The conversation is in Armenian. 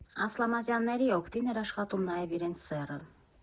Ասլամազյանների օգտին էր աշխատում նաև իրենց սեռը.